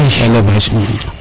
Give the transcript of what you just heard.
élevage